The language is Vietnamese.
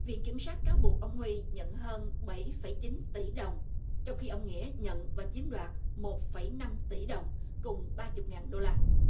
viện kiểm sát cáo buộc ông huy nhận hơn bảy phẩy chín tỷ đồng trong khi ông nghĩa nhận và chiếm đoạt một phẩy năm tỷ đồng cùng ba chục ngàn đô la